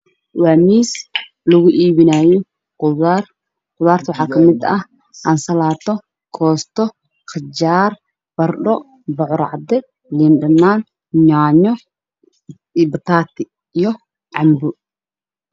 Waa miis lugu iibinaayo qudaar waxaa kamid ah ansalaato, koosto, qajaar, baradho, bocor cade, liindhanaan, yaanyo, bataati iyo cambe.